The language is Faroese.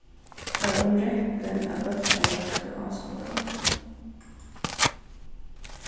tað var um reppið at bólturin rakti áskoðaran